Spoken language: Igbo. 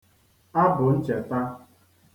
abùnchetā